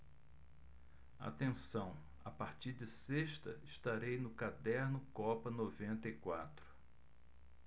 atenção a partir de sexta estarei no caderno copa noventa e quatro